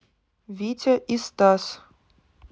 витя и стас